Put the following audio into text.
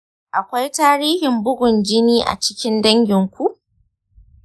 akwai tarihin bugun jini a cikin danginku?